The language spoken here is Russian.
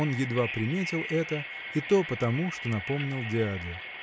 он едва приметил это, и то потому, что напомнил дядя.